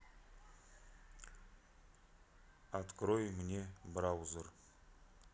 открой мне браузер